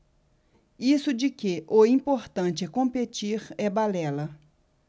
isso de que o importante é competir é balela